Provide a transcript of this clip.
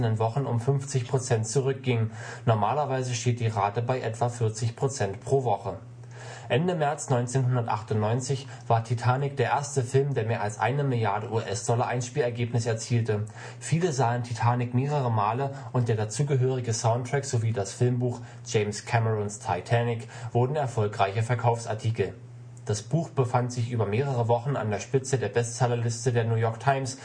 Wochen um 50 Prozent zurückging. Normalerweise steht die Rate bei etwa 40 Prozent pro Woche. Ende März 1998 war Titanic der erste Film, der mehr als eine Milliarde US-Dollar Einspielergebnis erzielte. Viele sahen Titanic mehrere Male und der dazugehörige Soundtrack sowie das Filmbuch James Camerons Titanic wurden erfolgreiche Verkaufsartikel. Das Buch befand sich über mehrere Wochen an der Spitze der Bestsellerliste der New York Times –